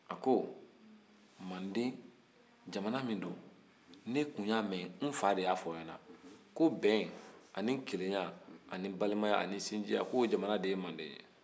a ko manden jamana min don ne tun y'a mɛ n fa de y'a fɔ n ɲɛna ko bɛn ani kelenya ani balimaya ani sinjiya ko jamana de ye manden ye